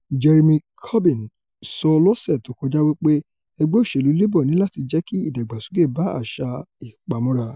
Jeremy Corbyn sọ lọ́sẹ̀ tókọjá wí pé ẹgbẹ́ òṣèlu Labour níláti jẹ́kí ìdàgbàsókè bá àṣà ìpamọ́ra.